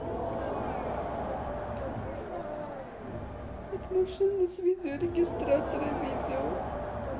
от машины с видеорегистратора видео